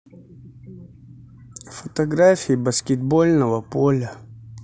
фотографии баскетбольного поля